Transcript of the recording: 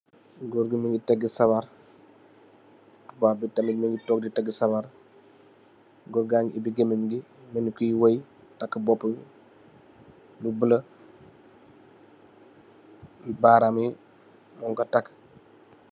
Gór ngi mugii tëga sabarr tubay bi tamid mugii tóóg tëga sabarr. Gór gangi opi gemeñ ngi melni koy way takka bopú bi lu bula, barami mung ko taka.